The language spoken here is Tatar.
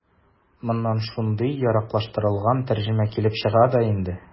Моннан шундый яраклаштырылган тәрҗемә килеп чыга да инде.